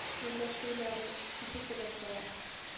Гөрләшүләре ишетелеп тора